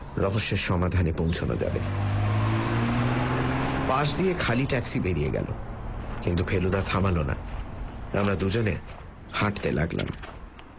রহস্যের সমাধানে পৌঁছনো যাবে পাশ দিয়ে খালি ট্যাক্সি বেরিয়ে গেল কিন্তু ফেলুদা থামাল না আমরা দুজনে হাঁটতে লাগলাম